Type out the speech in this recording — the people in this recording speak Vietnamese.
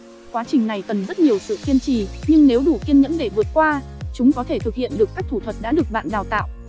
quá trình này cần rất nhiều sự kiên trì nhưng nếu đủ kiên nhẫn để vượt qua chúng có thể thực hiện được các thủ thuật đã được bạn đào tạo